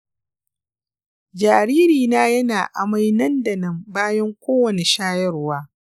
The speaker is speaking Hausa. jaririna yana amai nan da nan bayan kowanne shayarwa.